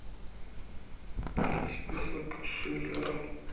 список шиллера